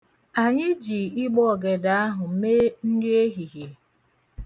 Anyị ji ịgbọọgede ahụ mee nri ehihie.